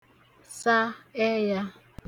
sa ẹyā